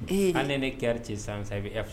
An ne kɛra cɛ san sanfɛ